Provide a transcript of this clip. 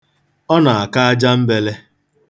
Ọ na-akọ ajambele.